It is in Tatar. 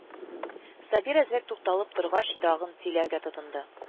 Сабир, әзрәк тукталып торгач, тагын сөйләргә тотынды: